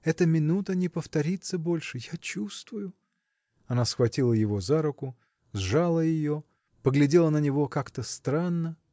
эта минута не повторится больше – я чувствую. Она схватила его за руку сжала ее поглядела на него как-то странно